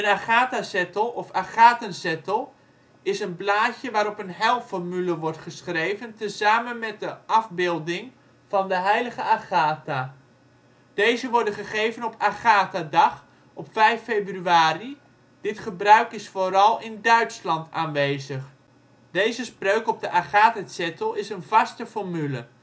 Agathazettel of Agathenzettel is een blaadje waarop een heilformule wordt geschreven tezamen met een afbeelding van de heilige Agatha. Deze worden gegeven op Agathadag (5 februari), dit gebruik is vooral in Duitsland aanwezig. Deze spreuk op de Agathazettel is een vaste formule